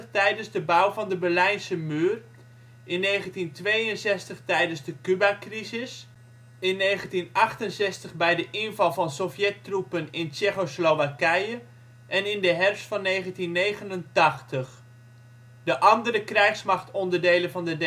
tijdens de bouw van de Berlijnse Muur, in 1962 tijdens de Cubacrisis, in 1968 bij de inval van Sovjettroepen in Tsjechoslowakije en in de herfst van 1989. De andere krijgsmachtonderdelen van de